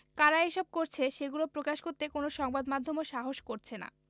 কারা এসব করছে সেগুলো প্রকাশ করতে কোনো সংবাদ মাধ্যমও সাহস করছে না